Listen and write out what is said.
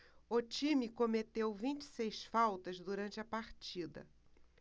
o time cometeu vinte e seis faltas durante a partida